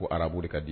Ko arabu ka di